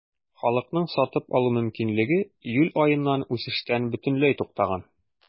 Халыкның сатып алу мөмкинлеге июль аеннан үсештән бөтенләй туктаган.